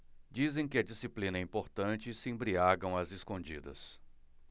dizem que a disciplina é importante e se embriagam às escondidas